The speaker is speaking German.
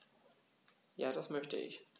Ja, das möchte ich.